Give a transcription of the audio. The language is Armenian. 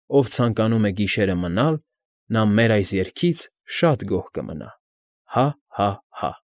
Ով ցանկանում է Գիշերը մնալ, Նա մեր այս երգից Շատ գոհ կմնա Հա՛֊հա՛֊հա՛։